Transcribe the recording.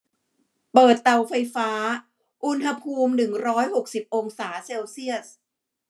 เปิดเตาไฟฟ้าอุณหภูมิหนึ่งร้อยหกสิบองศาเซลเซียส